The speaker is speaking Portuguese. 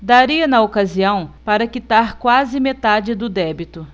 daria na ocasião para quitar quase metade do débito